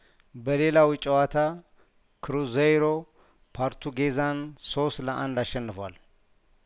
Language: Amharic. በሌላው ጨዋታ ክሩዜይሮ ፓርቱ ጌዛን ሶስት ለአንድ አሸንፏል